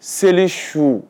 Seli su